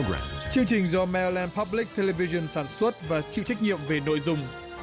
chương trình do me lon pắp lích te le vi dừn sản xuất và chịu trách nhiệm về nội dung